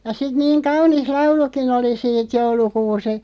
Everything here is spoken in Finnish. ja sitten niin kaunis laulukin oli siitä joulukuusi